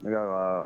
Yala